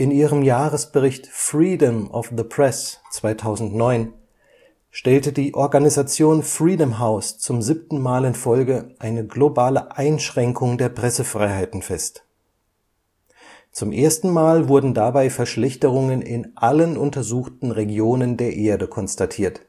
ihrem Jahresbericht „ Freedom of the Press 2009 “stellte die Organisation Freedom House zum siebten Mal in Folge eine globale Einschränkung der Pressefreiheiten fest. Zum ersten Mal wurden dabei Verschlechterungen in allen untersuchten Regionen der Erde konstatiert